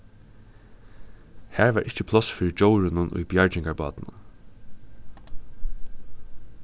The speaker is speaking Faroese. har var ikki pláss fyri djórunum í bjargingarbátinum